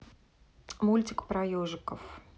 мультик про ежиков